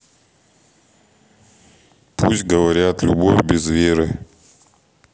пусть говорят любовь без веры